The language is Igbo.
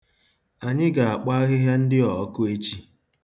Anyị ga-akpọ ahịhịa ndị a ọkụ echi.